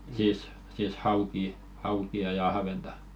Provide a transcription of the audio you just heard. siis siis haukia haukia ja ahventa